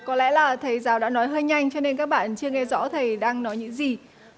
có lẽ là thầy giáo đã nói hơi nhanh cho nên các bạn chưa nghe rõ thì đang nói những gì